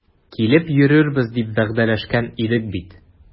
Килеп йөрербез дип вәгъдәләшкән идек бит.